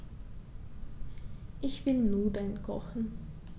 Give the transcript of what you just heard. Ich will Nudeln kochen.